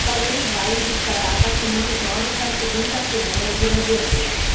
valores válidos para apartamentos novos na segunda semana de novembro